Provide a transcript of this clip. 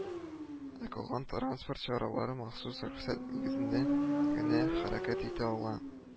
Ә калган транспорт чаралары махсус рөхсәт нигезендә генә хәрәкәт итә ала